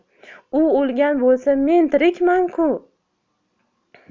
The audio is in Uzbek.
u o'lgan bo'lsa men tirikman ku